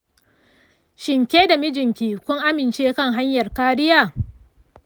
shin ke da mijinki kun amince kan hanyar kariya?